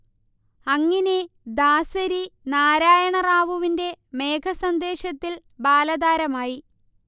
അങ്ങിനെ ദാസരി നാരായണ റാവുവിന്റെ മേഘസന്ദേശത്തിൽ ബാലതാരമായി